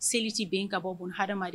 Seli tɛ bin ka bɔ bunahadamaden